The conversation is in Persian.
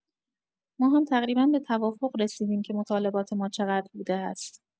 ما هم تقریبا به توافق رسیدیم که مطالبات ما چقدر بوده است.